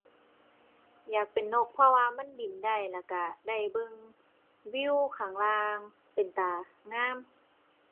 อยากเป็นนก เพราะว่ามันบินได้แล้วก็ได้เบิ่งวิวข้างล่างเป็นตางาม